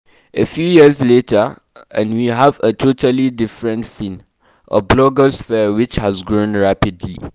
A few years later, and we have a totally different scene – a blogosphere which has grown rapidly.